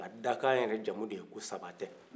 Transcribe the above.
nka da kan yɛrɛde jamu ye ko sabatɛ